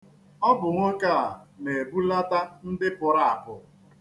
Ọ bụ nwoke a na-ebulata ndị pụrụ apụ.